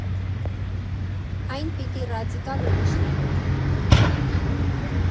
Այն պիտի ռադիկալ ուրիշ լիներ.